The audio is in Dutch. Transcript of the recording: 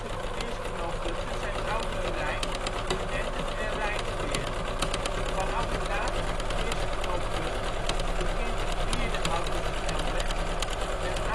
verkeersknooppunten zijn Oudenrijn, Lunetten en Rijnsweerd. Vanaf het laatste verkeersknooppunt begint een vierde autosnelweg, de A28